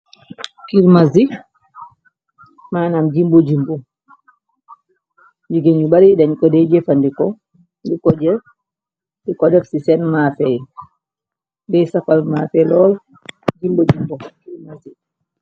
kirmasi manam gimbu jimbu jigén yu bari dañ kodey jëefandiko nu kojër di kodef ci seen mafeey bay safal mafe lool gimbo jimbo kirmasi